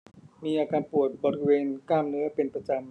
มีอาการปวดบริเวณกล้ามเนื้อเป็นประจำ